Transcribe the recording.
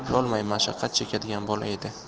eplolmay mashaqqat chekadigan bola edi